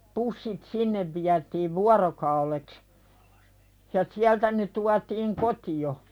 pussit sinne vietiin vuorokaudeksi ja sieltä ne tuotiin kotiin